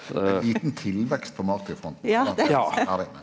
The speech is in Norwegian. det er liten tilvekst på martyrfronten .